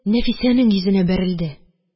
Нәфисәнең йөзенә бәрелде.